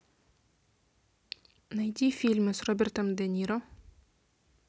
найди фильмы с робертом де ниро